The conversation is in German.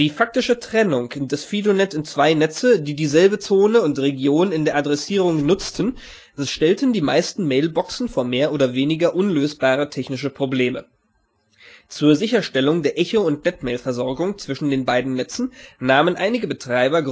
faktische Trennung des FidoNet in zwei Netze, die dieselbe Zone und Region in der Adressierung nutzten, stellten die meisten Mailboxen vor mehr oder weniger unlösbare technische Probleme. Zur Sicherstellung der Echo - und Netmail-Versorgung zwischen den beiden Netzen nahmen einige Betreiber